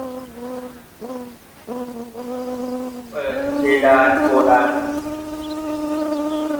เปิดเพดานโกดัง